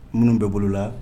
Munun bɛ bolo la.